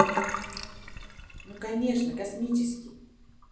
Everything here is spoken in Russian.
ну конечно космический